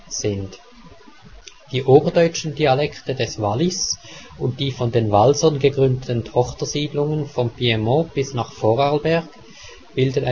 sind. Die oberdeutschen Dialekte des Wallis und die von den Walsern gegründeten Tochtersiedlungen vom Piemont bis nach Vorarlberg bilden